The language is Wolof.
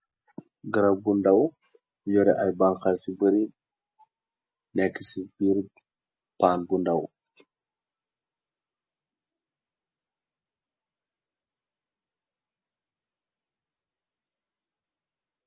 Garab gu ndaw yohreh aiiy banhass yu bari, neka cii birr pan gu ndaw.